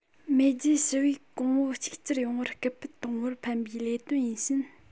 མེས རྒྱལ ཞི བས གོང བུ གཅིག གྱུར ཡོང བར སྐུལ སྤེལ གཏོང བར ཕན པའི ལས དོན ཡིན ཕྱིན